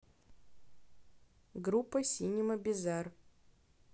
группа cinema bizarre